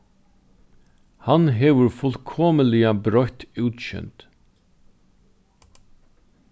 hann hevur fullkomiliga broytt útsjónd